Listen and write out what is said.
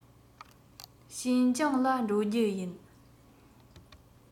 ཤིན ཅང ལ འགྲོ རྒྱུ ཡིན